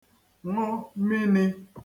ṅụ minī